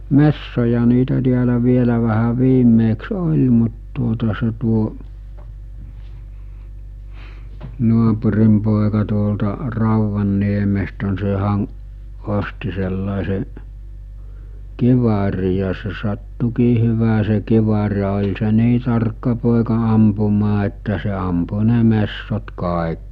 metsoja niitä täällä vielä vähän viimeksi oli mutta tuota se tuo naapurin poika tuolta Rauvanniemestä niin sehän osti sellaisen kiväärin ja se sattuikin hyvä se kivääri ja oli se niin tarkka poika ampumaan että se ampui ne metsot kaikki